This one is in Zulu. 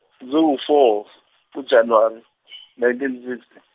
zu- four, ku- January nineteen sixty.